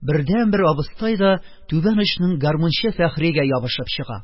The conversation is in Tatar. Бердәнбер абыстай да түбән очның гармунчы фәхригә ябышып чыга.